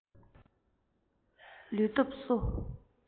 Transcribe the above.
ལུས སྟོབས གསོ